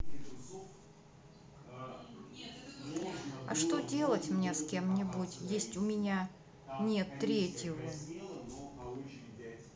а что делать мне с кем нибудь есть у меня нет третьего